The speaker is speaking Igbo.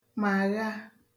màgha